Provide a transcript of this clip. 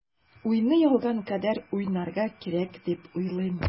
Уйный алган кадәр уйнарга кирәк дип уйлыйм.